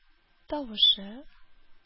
Тавышы